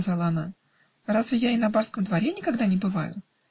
-- сказала она, -- разве я и на барском дворе никогда не бываю?